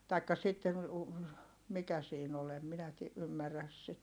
tai sitten - mikä siinä oli en minä - ymmärrä sitten